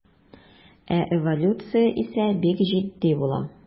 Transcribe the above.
Ә эволюция исә бик җитди була.